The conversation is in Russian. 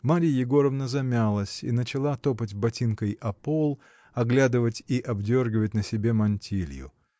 Марья Егоровна замялась и начала топать ботинкой об пол, оглядывать и обдергивать на себе мантилью.